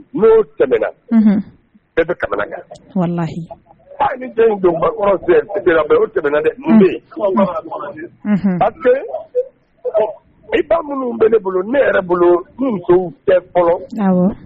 N'o tɛmɛna unhun bɛɛ bɛ kamanagan walahi aa ni o tɛmɛna dɛ mun be ye parce que bon i ba minnu bɛ ne bolo ne yɛrɛ bolo n musow tɛ fɔlɔɔ awɔ